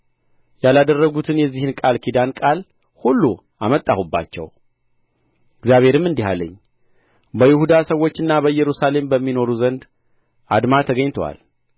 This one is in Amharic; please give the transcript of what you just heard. ያላደረጉትን የዚህን ቃል ኪዳን ቃል ሁሉ አመጣሁባቸው እግዚአብሔርም እንዲህ አለኝ በይሁዳ ሰዎችና በኢየሩሳሌም በሚኖሩ ዘንድ አድማ ተገኝቶአል